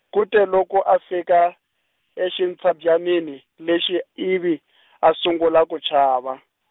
kute loko a fika, exintshabyanini, lexi, ivi, a sungula ku chava.